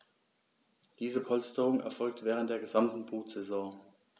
Diese Polsterung erfolgt während der gesamten Brutsaison.